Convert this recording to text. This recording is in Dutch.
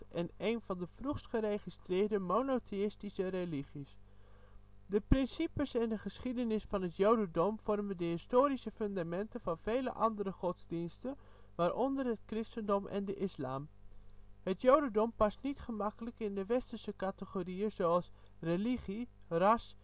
de vroegst geregistreerde monotheïstische religies. De principes en de geschiedenis van het jodendom vormen de historische fundamenten van vele andere godsdiensten, waaronder het christendom en de islam. Het jodendom past niet gemakkelijk in de westerse categorieën zoals religie, ras